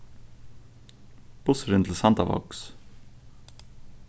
bussurin til sandavágs